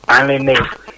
maa ngi leen di nuyu